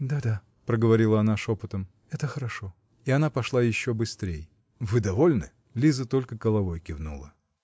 -- Да, да, -- проговорила она шепотом, -- это хорошо. И она пошла еще быстрей. -- Вы довольны? Лиза только головой кивнула.